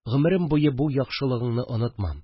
Гомерем буе бу яхшылыгыңны онытмам